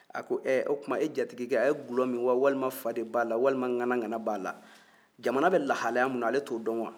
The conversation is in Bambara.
a ko ɛɛ o tuma e jatigikɛ a ye dɔlɔ min wa walima fa de b'a la walima nganagana b'a la jamana bɛ lahalaya min na ale t'o dɔn wa